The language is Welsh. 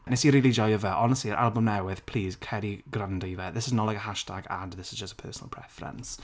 wnes i rili joio fe, honestly, yr albwm newydd, plis, cer i gwrando i fe This is not like a hashtag ad this is just a personal preference.